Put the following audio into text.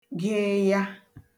gịịya